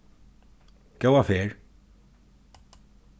góða ferð